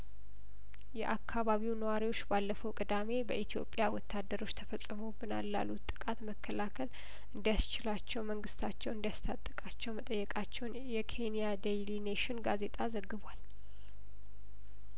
የአካባቢው ነዋሪዎች ባለፈው ቅዳሜ በኢትዮጵያ ወታደሮች ተፈጽሞብናል ላሉት ጥቃት መከላከል እንዲ ያስችላቸው መንግስታቸው እንዲያስ ታጥቃቸው መጠየቃቸውን የኬንያ ዴይሊ ኔሽን ጋዜጣ ዘግቧል